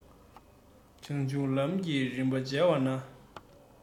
བྱང ཆུབ ལམ གྱི རིམ པར མཇལ བ ན